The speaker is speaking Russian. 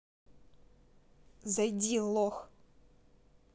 зайди лох